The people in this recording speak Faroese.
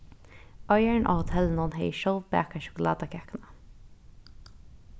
eigarin á hotellinum hevði sjálv bakað sjokulátakakuna